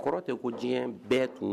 Kɔrɔ tɛ ko diɲɛ bɛɛ tun